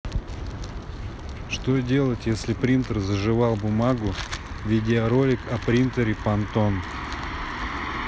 что делать если принтер зажевал бумагу видеоролик о принтере пантон